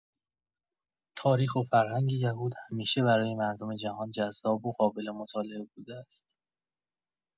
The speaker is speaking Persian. تاریخ و فرهنگ یهود همیشه برای مردم جهان جذاب و قابل‌مطالعه بوده است.